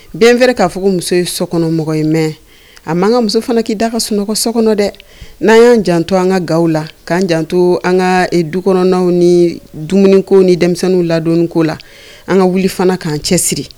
Bɛnɛrɛ k'a fɔ muso ye sokɔnɔmɔgɔ in mɛn a'an ka muso fana k'i da ka sunɔgɔ so kɔnɔ dɛ n'an y'an jan to an ka gaw la k'an jan to an ka du kɔnɔnw ni dumuniko ni denmisɛnninw ladonko la an ka wuli fana k'an cɛ siri